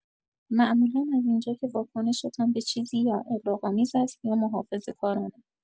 معمولا از اینجا که واکنشتان به چیزی یا اغراق‌آمیزاست یا محافظه‌کارانه.